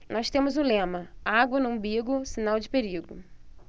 nós temos um lema água no umbigo sinal de perigo